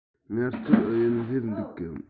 ངལ རྩོལ ཨུ ཡོན སླེབས འདུག གམ